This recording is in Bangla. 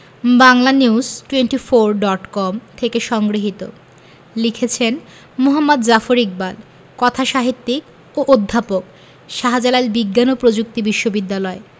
বাংলানিউজ টোয়েন্টিফোর ডট কম থেকে সংগৃহীত লিখেছেন মুহাম্মদ জাফর ইকবাল কথাসাহিত্যিক ও অধ্যাপক শাহজালাল বিজ্ঞান ও প্রযুক্তি বিশ্ববিদ্যালয়